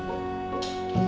cô